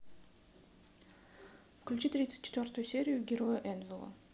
включи тридцать четвертую серию герои энвелла